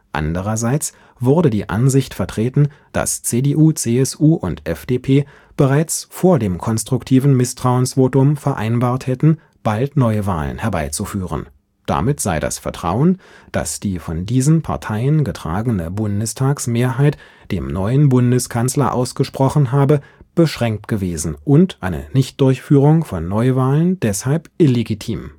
Andererseits wurde die Ansicht vertreten, dass CDU/CSU und FDP bereits vor dem konstruktiven Misstrauensvotum vereinbart hätten, bald Neuwahlen herbeizuführen; damit sei das Vertrauen, das die von diesen Parteien getragene Bundestagsmehrheit dem neuen Bundeskanzler ausgesprochen habe, beschränkt gewesen und eine Nichtdurchführung von Neuwahlen deshalb illegitim